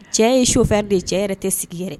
Cɛ ye su fɛ de ye cɛ yɛrɛ tɛ sigi yɛrɛ